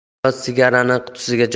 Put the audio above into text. niyoz sigarani qutisiga